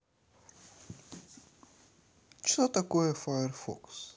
что такое firefox